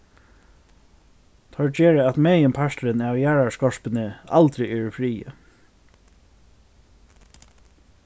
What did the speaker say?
teir gera at meginparturin av jarðarskorpuni aldri er í friði